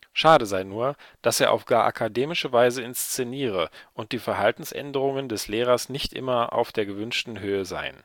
Schade sei nur, dass er auf gar akademische Weise inszeniere und die Verhaltensänderungen des Lehrers nicht immer auf der gewünschten Höhe seien